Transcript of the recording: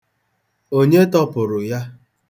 Onye tọpụrụ ya?